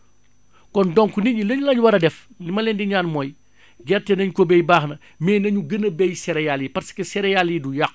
kon donc nit ñi lan lañ war a def li ma leen di ñaan mooy gerte nañ ko bay baax na mais nañu gën a bay céréales yi parce que :fa céréale yi du yàqu